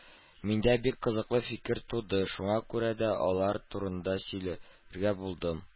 Миндә бик кызыклы фикер туды, шуңа күрә дә алар турында сөйләргә булдым